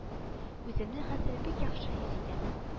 Үземне хәзер бик яхшы хис итәм